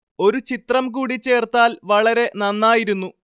ഒരു ചിത്രം കൂടി ചേർത്താൽ വളരെ നന്നായിരുന്നു